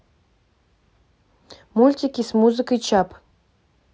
мультики с музыкой чап